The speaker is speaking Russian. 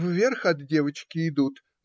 Вверх от девочки идут